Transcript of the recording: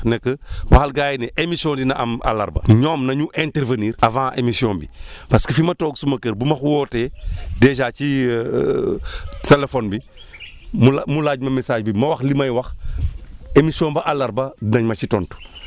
ne que waxal gaa yi ne émission dina am àllarba ñoom nañu intervenir avant émission bi parce que fi ma toog suma kër bu ma wootee dèjà ci téléphone :ra bi mu laa mu laaj ma message bi ma wax li may wax émission ba àllarba dinañ ma si tontu